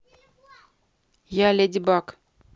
я леди баг